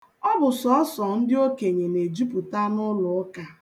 Ọ bụ sọọsọ ndị okenye na-ejupụta n'ụlụụka.